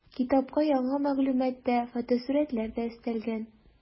Китапка яңа мәгълүмат та, фотосурәтләр дә өстәлгән.